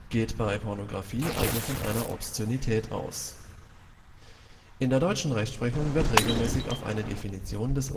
bei Pornografie also von einer Obszönität aus. In der deutschen Rechtsprechung wird regelmäßig auf eine Definition des